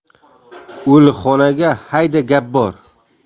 o'likxonaga hayda gap bor